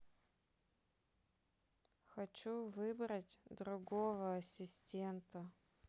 хочу выбрать другого ассистента